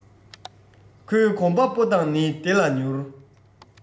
ཁོའི གོམ པ སྤོ སྟངས ནི བདེ ལ མྱུར